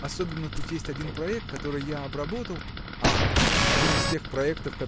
особенно тут есть один проект, который я обработал. – А! один из тех проектов